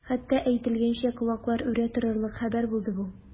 Хатта әйтелгәнчә, колаклар үрә торырлык хәбәр булды бу.